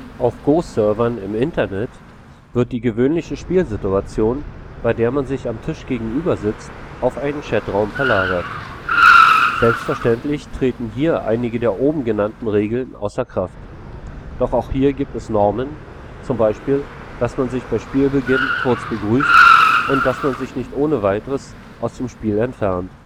Auf Go-Servern im Internet (siehe Weblinks) wird die gewöhnliche Spielsituation, bei der man sich am Tisch gegenüber sitzt, auf einen Chatraum verlagert. Selbstverständlich treten hier einige der oben genannten Regeln außer Kraft. Doch auch hier gibt es Normen, zum Beispiel, dass man sich bei Spielbeginn kurz begrüßt und dass man sich nicht ohne Nachricht aus dem Spiel entfernt